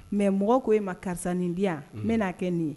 Mɛ mɔgɔ ko e ma karisa nin bi yan n bɛ n'a kɛ nin ye